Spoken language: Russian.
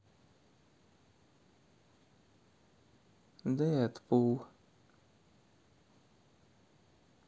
deadpool